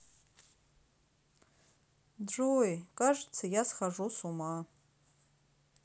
joey кажется я схожу с ума